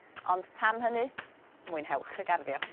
Ond tan hynny mwynhewch y garddio.